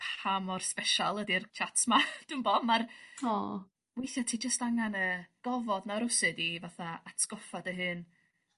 pa mor sbesial ydi'r chats 'ma dwi'mbo ma'r... Oh. ...weithia' ti jyst angan y gofod 'na rywsid i fatha atgoffa dy hun